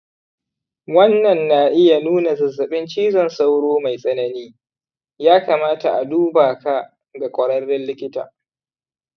wannan na iya nuna zazzaɓin cizon sauro mai tsanani, ya kamata a duba ka ga ƙwararren likita.